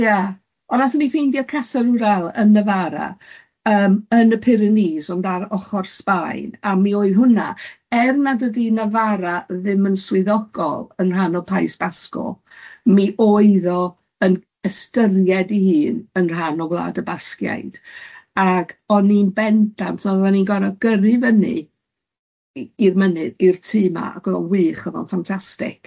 Ie. Ond wnaethon ni ffeindio Casa Rural yn Nyfara yym yn y Pyrenees, ond ar ochr Sbaen, a mi oedd hwnna, er nad ydi Nyfara ddim yn swyddogol yng nghanol Paes Basgol, mi oedd o yn ystyried i hun yn rhan o Gwlad y Basgiaid, ac o'n i'n bendant, oeddan ni'n gorfod gyrru fyny i'r mynydd, i'r tŷ yma, ac oedd o'n wych, oedd o'n ffantastic.